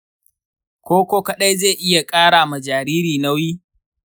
koko kadai zai iya kara ma jariri nauyi?